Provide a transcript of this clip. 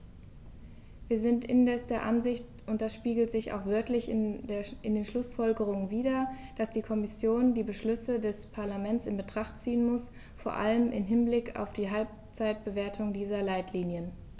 Wir sind indes der Ansicht und das spiegelt sich auch wörtlich in den Schlussfolgerungen wider, dass die Kommission die Beschlüsse dieses Parlaments in Betracht ziehen muss, vor allem im Hinblick auf die Halbzeitbewertung dieser Leitlinien.